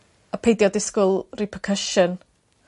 a peidio disgwl repercussion.